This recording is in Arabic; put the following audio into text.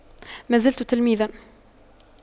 ما زلت تلميذا